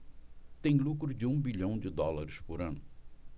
tem lucro de um bilhão de dólares por ano